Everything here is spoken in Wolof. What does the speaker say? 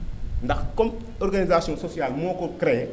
ndax comme organisation sociale moo ko créé